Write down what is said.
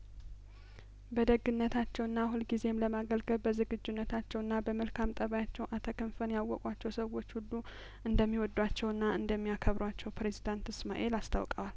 በደግ ነታቸውና ሁል ጊዜም ለማገልገል በዝግጁነታቸውና በመልካም ጠባያቸው አተክንፈን ያወቋቸው ሰዎች ሁሉ እንደሚወዷቸውና እንደሚያከብሩዋቸው ፕሬዝዳንት እስማኤል አስታውቀዋል